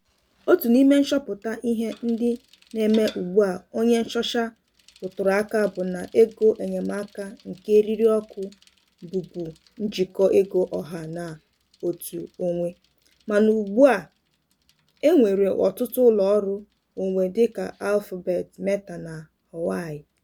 Otu n'ime nchọpụta ihe ndị na-eme ugbua onye nchọcha rụtụrụ aka bụ na ego enyemaaka nke erịrịọkụ bụbu njikọ ego ọha na òtù onwe, mana ugbua e nwere ọtụtụ ụlọọrụ onwe dịka Alphabet, Meta na Huawei.